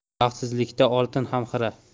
baxtsizlikda oltin ham xira